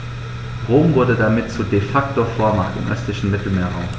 Rom wurde damit zur ‚De-Facto-Vormacht‘ im östlichen Mittelmeerraum.